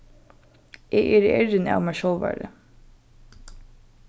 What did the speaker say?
eg eri errin av mær sjálvari